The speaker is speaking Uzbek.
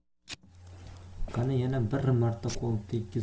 qani yana bir marta